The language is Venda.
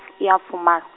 ya fumalo.